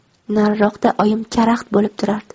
nariroqda oyim karaxt bo'lib turardi